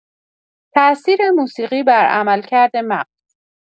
تاثیر موسیقی بر عملکرد مغز